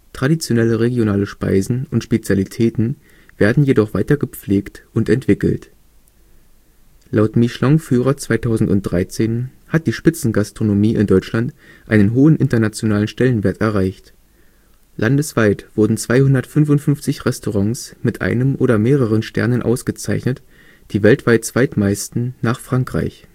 Traditionelle regionale Speisen und Spezialitäten werden jedoch weiter gepflegt und entwickelt. Laut Michelin-Führer 2013 hat die Spitzengastronomie in Deutschland einen hohen internationalen Stellenwert erreicht. Landesweit wurden 255 Restaurants mit einem oder mehreren Sternen ausgezeichnet, die weltweit zweitmeisten nach Frankreich